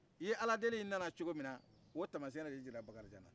i ye aladeli yin nana cogominna o tamasen de yirala bakarijan na